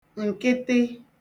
ǹkịtị